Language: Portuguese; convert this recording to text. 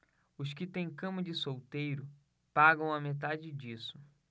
os que têm cama de solteiro pagam a metade disso